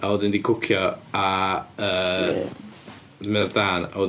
A oedd o 'di cwcio a yy... Shit. ...Mynd ar dân a wedyn...